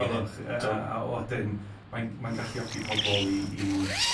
, a a wedyn, mae'n mae'n galluogi pobol i i